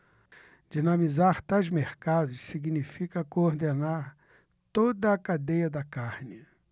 dinamizar tais mercados significa coordenar toda a cadeia da carne